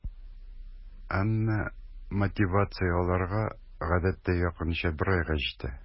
Әмма мотивация аларга гадәттә якынча бер айга җитә.